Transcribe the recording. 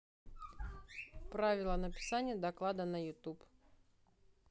правила написания доклада на ютуб